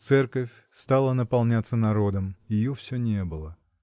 Церковь стала наполняться народом; ее все не было.